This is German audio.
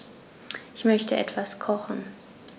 Ich möchte etwas kochen.